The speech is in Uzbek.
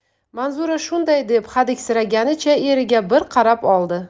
manzura shunday deb hadiksiraganicha eriga bir qarab oldi